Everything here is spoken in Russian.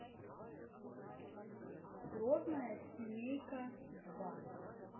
грозная семейка два